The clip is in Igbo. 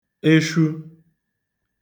eshu